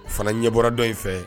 Fana ɲɛ bɔra dɔ in fɛ